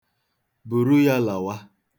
Buru ya lawa.